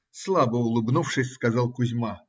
- слабо улыбнувшись, сказал Кузьма.